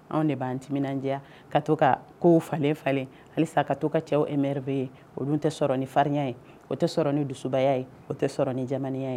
Anw de b'an timin diya ka to ka ko falen falen halisa ka to ka cɛw eme bɛ ye olu tɛ sɔrɔ ni farinya ye o tɛ sɔrɔ ni dusubaya ye o tɛ sɔrɔ ni jamanaya ye